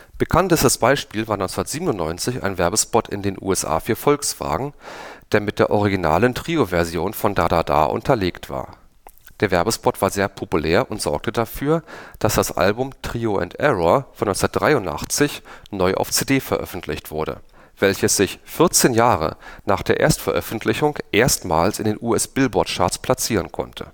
Bekanntestes Beispiel war 1997 ein Werbespot in den USA für Volkswagen, der mit der originalen Trio-Version von „ Da da da “unterlegt war. Der Werbespot war sehr populär und sorgte dafür, dass das Album „ Trio And Error “von 1983 neu auf CD veröffentlicht wurde, welches sich 14 Jahre nach der Erstveröffentlichung erstmals in den US-Billboard-Charts platzieren konnte